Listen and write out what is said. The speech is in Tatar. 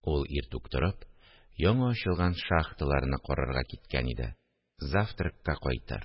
– ул иртүк торып яңа ачылган шахталарны карарга киткән иде, завтракка кайтыр